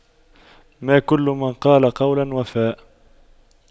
ما كل من قال قولا وفى